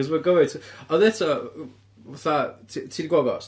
Achos ma' gymaint... Ond eto, fatha, ti ti 'di gweld ghost?